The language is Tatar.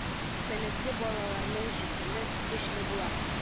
Сәләтле балаларның җисеме көчле була.